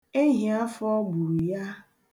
Ehiafọ gburu ya.